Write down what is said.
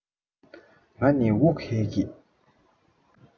ང ནི དབུགས ཧལ གིས